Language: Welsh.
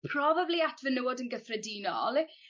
probably at fenywod* yn gyffredinol